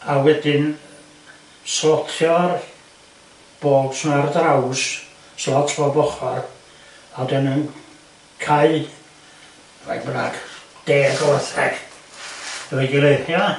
A wedyn slotio'r baulks 'ma ar draws slot bob ochor a 'dyn cau be bynnag deg o wartheg efo'i gilydd... Ia?